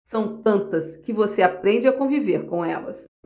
são tantas que você aprende a conviver com elas